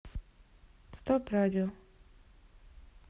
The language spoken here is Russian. стоп радио